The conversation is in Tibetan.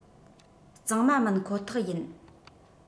གཙང མ མིན ཁོ ཐག ཡིན